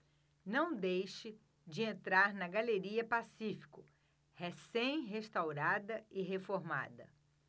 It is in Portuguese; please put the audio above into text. não deixe de entrar na galeria pacífico recém restaurada e reformada